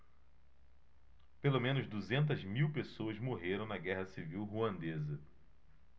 pelo menos duzentas mil pessoas morreram na guerra civil ruandesa